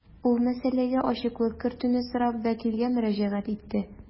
Ул мәсьәләгә ачыклык кертүне сорап вәкилгә мөрәҗәгать итте.